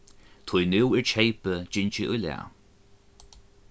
tí nú er keypið gingið í lag